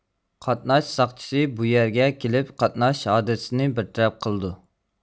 قاتناش ساقچىسى بۇ يەرگە كېلىپ قاتناش ھادىسىنى بىر تەرەپ قىلىدۇ